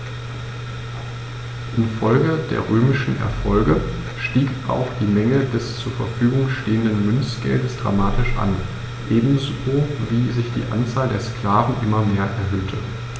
Infolge der römischen Erfolge stieg auch die Menge des zur Verfügung stehenden Münzgeldes dramatisch an, ebenso wie sich die Anzahl der Sklaven immer mehr erhöhte.